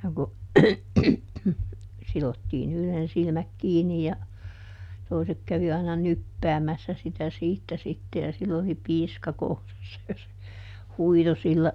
no kun sidottiin yhden silmät kiinni ja toiset kävi aina nyppäämässä sitä siitä sitten ja sillä oli piiska kourassa ja se huitoi sillä